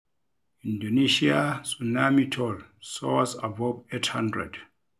Indonesia Tsunami Toll Soars Above 800.